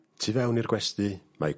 Tu fewn i'r gwesty mae...